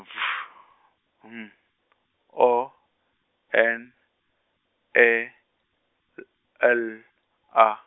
V M O N E L A.